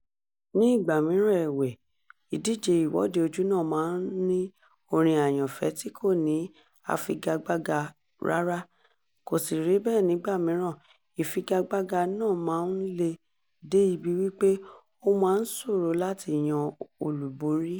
Ní ìgbà mìíràn ẹ̀wẹ̀wẹ̀, ìdíje Ìwọ́de Ojúnà máa ń ní orin àyànfẹ́ tí kò ní afigagbága rárá; kò sí rí bẹ́ẹ̀ nígbà mìíràn, ìfigagbága náà máa ń le dé ibi wípé ó máa ń ṣòro láti yan olúborí.